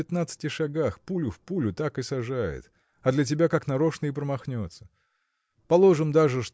в пятнадцати шагах пулю в пулю так и сажает а для тебя как нарочно и промахнется! Положим даже